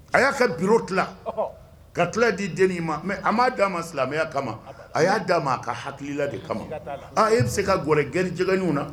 A y'a ka buro tila ɔhɔ ka kla di denin ma mais a m'a d'a ma silamɛya kama abada a y'a d'a ma a ka hakilila de kama sikataa la aa e bi se ka gwɛrɛ gɛrijɛkɛninw na